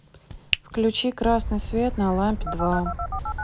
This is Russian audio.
включи красный свет на лампе два